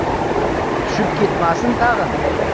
tushib ketmasin tag'in